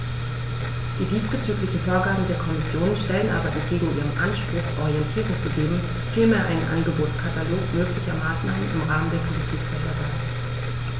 Die diesbezüglichen Vorgaben der Kommission stellen aber entgegen ihrem Anspruch, Orientierung zu geben, vielmehr einen Angebotskatalog möglicher Maßnahmen im Rahmen der Politikfelder dar.